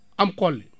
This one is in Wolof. am xolli